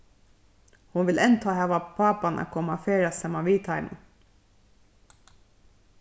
hon vil enntá hava pápan at koma við at ferðast saman við teimum